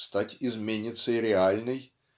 стать изменницей реальной